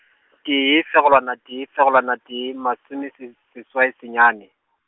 tee, fegelwana tee, fegelwana tee, masome ses-, seswai senyane.